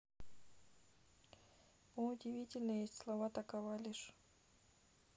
о удивительные есть слова такова лишь